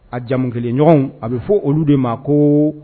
A jamu kelenɲɔgɔn a bɛ fɔ olu de ma ko